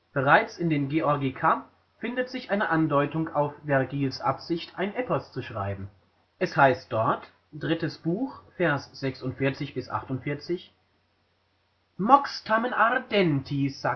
Bereits in den Georgica findet sich eine Andeutung auf Vergils Absicht, ein Epos zu schreiben. Es heißt dort (Georg. III 46 – 48): Mox tamen ardentis